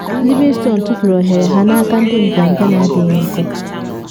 Livingston tufuru ohere ha n’aka ndị mbịambịa na adịghị nkọ